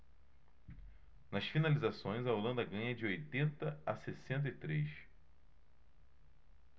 nas finalizações a holanda ganha de oitenta a sessenta e três